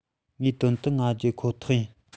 ངའི དོན དུ ང རྒྱལ ཁོ ཐག ཡིན